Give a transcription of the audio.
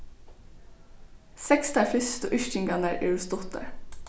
seks tær fyrstu yrkingarnar eru stuttar